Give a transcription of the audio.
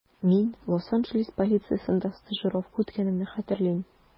Мин Лос-Анджелес полициясендә стажировка үткәнемне хәтерлим.